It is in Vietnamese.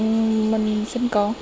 mình sinh con